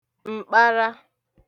m̀kpara